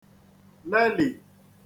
lelị̀